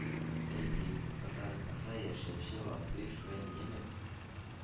Әйтик, Татарстанда яшәүче латыш вә немец,